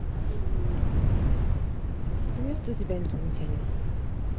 приветствую тебя инопланетянин